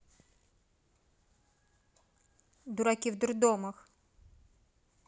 дураки в дурдомах